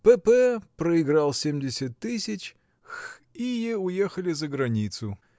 П. П. проиграл семьдесят тысяч. Х–ие уехали за границу.